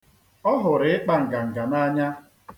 Ọ hụrụ ịkpa nganga n'anya.